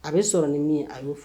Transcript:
A bɛ sɔrɔ nin min a y'o fɔ